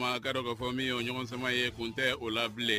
O kumana, a k'a don k'a fɔ min ye o ɲɔgɔn sama ye kun tɛ o la bilen